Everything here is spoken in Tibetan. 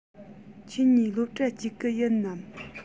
ཁྱེད གཉིས སློབ གྲྭ གཅིག གི ཡིན ནམ